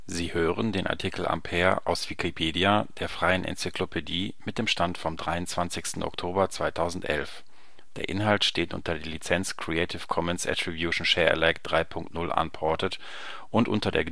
Sie hören den Artikel Ampere, aus Wikipedia, der freien Enzyklopädie. Mit dem Stand vom Der Inhalt steht unter der Lizenz Creative Commons Attribution Share Alike 3 Punkt 0 Unported und unter der